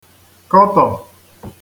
kọtọ